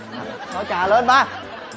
thôi chà lên ba